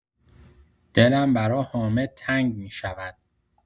دلم برا حامد تنگ می‌شود!